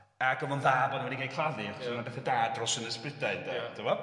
..ag o'dd o'n da bo' n'w wedi ga' 'u claddu... Ia. ...achos o' nw'n bethe da dros Ynys Brydain 'de. Ia. t'bo?